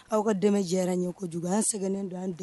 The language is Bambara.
Aw ka dɛmɛjɛ ye ko kojugu an sɛgɛnnen don an dɛ